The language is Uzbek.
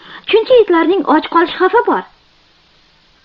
chunki itlarning och qolish xavfi bor